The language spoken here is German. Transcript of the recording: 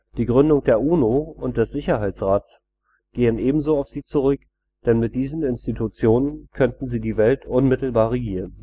Die Gründung der UNO und des Sicherheitsrats gehe ebenso auf sie zurück, denn mit diesen Institutionen könnten sie die Welt unmittelbar regieren